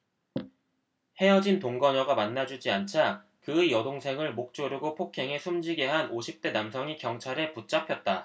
헤어진 동거녀가 만나주지 않자 그의 여동생을 목 조르고 폭행해 숨지게 한 오십 대 남성이 경찰에 붙잡혔다